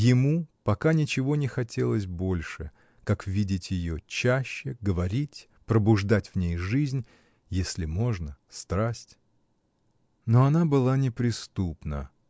Ему пока ничего не хотелось больше, как видеть ее чаще, говорить, пробуждать в ней жизнь, если можно — страсть. Но она была неприступна.